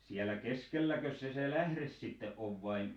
siellä keskelläkös se se lähde sitten on vai vai